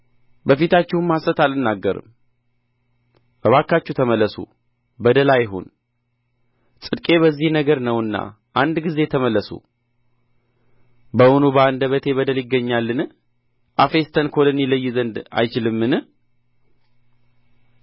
በፊታችሁም ሐሰት አልናገርም እባካችሁ ተመለሱ በደል አይሁን ጽድቄ በዚህ ነገር ነውና አንድ ጊዜ ተመለሱ በውኑ በአንደበቴ በደል ይገኛልን አፌስ ተንኰልን ይለይ ዘንድ አይችልምን